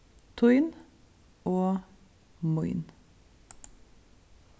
tín og mín